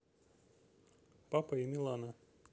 папа и милана